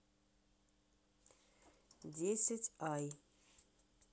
десять ай